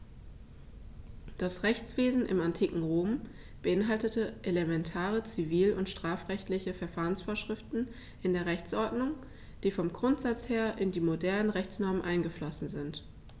Das Rechtswesen im antiken Rom beinhaltete elementare zivil- und strafrechtliche Verfahrensvorschriften in der Rechtsordnung, die vom Grundsatz her in die modernen Rechtsnormen eingeflossen sind.